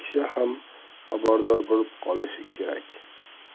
kishi ham xabardor bo'lib qolishi kerak